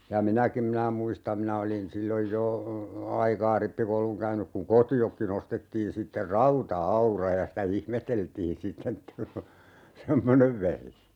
ja minäkin minä muistan minä olin silloin jo aikaa rippikoulun käynyt kun kotiinkin ostettiin sitten rauta-aura ja sitä ihmeteltiin sitten että semmoinen vehje